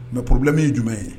Mɛ pbilɛ min ye jumɛn ye